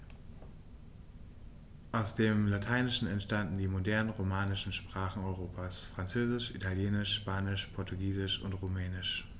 Aus dem Lateinischen entstanden die modernen „romanischen“ Sprachen Europas: Französisch, Italienisch, Spanisch, Portugiesisch und Rumänisch.